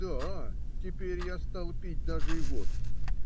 Да, теперь я стала пить даже и водку.